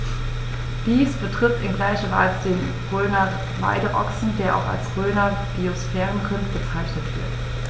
Dies betrifft in gleicher Weise den Rhöner Weideochsen, der auch als Rhöner Biosphärenrind bezeichnet wird.